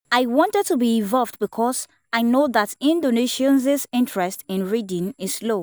I wanted to be involved because I know that Indonesians’ interest in reading is low.